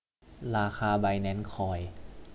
ราคาไบแนนซ์คอย